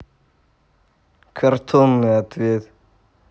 картонный ответ